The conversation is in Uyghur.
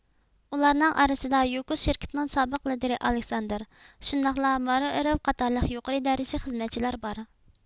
ئۇلارنىڭ ئارىسىدا يۇكوس شىركىتىنىڭ سابىق لىدىرى ئالېكساندىر شۇنداقلا مارۇئېرۋ قاتارلىق يۇقىرى دەرىجىلىك خىزمەتچىلەر بار